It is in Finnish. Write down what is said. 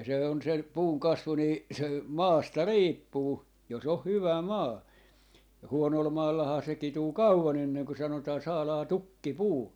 ja se on se puun kasvu niin se maasta riippuu jos on hyvä maa huonolla maallahan se kituu kauan ennen kuin sanotaan saadaan tukkipuu